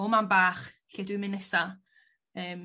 o mam bach lle dw i'n mynd nesa? Yym.